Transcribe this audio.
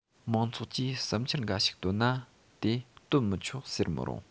མང ཚོགས ཀྱིས བསམ འཆར འགའ ཞིག བཏོན ན དེ བཏོན མི ཆོག ཟེར མི རུང